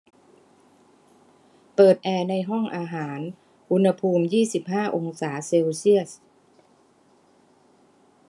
เปิดแอร์ในห้องอาหารอุณหภูมิยี่สิบห้าองศาเซลเซียส